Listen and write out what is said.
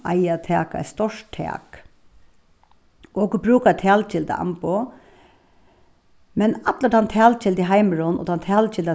eiga at taka eitt stórt tak okur brúka talgilda amboð men allur tann talgildi heimurin og tann talgilda